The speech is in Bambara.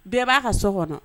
Bɛɛ b'a ka so kɔnɔ.